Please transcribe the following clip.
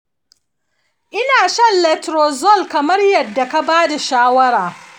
ina shan letrozole kamar yadda ka ba da shawara.